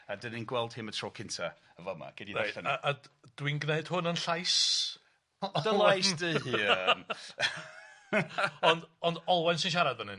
a 'dan ni'n gweld hi am y tro cynta y' fama gei di ddarllen 'i. Reit a a d- dwi'n gwneud hwn yn llais... Dy lais dy hun. Ond ond Olwen sy'n siarad fan 'yn?